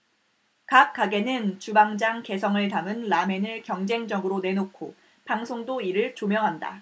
각 가게는 주방장 개성을 담은 라멘을 경쟁적으로 내놓고 방송도 이를 조명한다